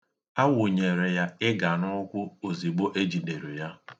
A wụnyere ya ịga n'ụkwụ ozigbo e jidere ya.